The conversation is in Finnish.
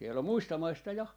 siellä on muista maista ja